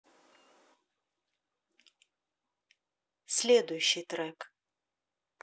следующий трек